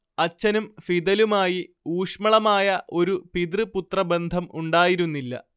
അച്ഛനും ഫിദലുമായി ഊഷ്മളമായ ഒരു പിതൃ പുത്രബന്ധം ഉണ്ടായിരുന്നില്ല